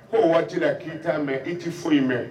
Ko waati k'i' mɛn i tɛ foyi in mɛn